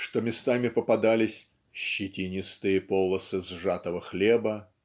что местами попадались "щетинистые полосы сжатого хлеба